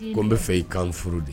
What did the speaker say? Ko n'a fɛ i kan furu de